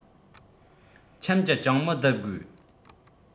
ཁྱིམ གྱི ཅང མི བསྡུ དགོས